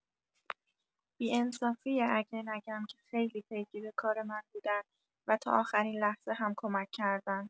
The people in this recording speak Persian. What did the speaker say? بی انصافیه اگه نگم که خیلی پیگیر کار من بودن و تا آخرین لحظه هم کمک کردن.